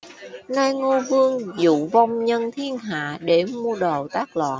nay ngô vương dụ vong nhân thiên hạ để mưu đồ tác loạn